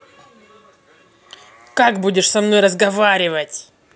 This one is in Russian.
как будешь со мной разговаривать